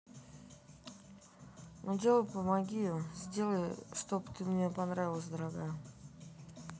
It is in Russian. ну делай помоги сделай чтоб ты мне понравилась дорогая